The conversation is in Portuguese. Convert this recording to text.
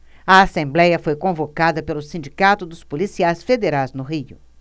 a assembléia foi convocada pelo sindicato dos policiais federais no rio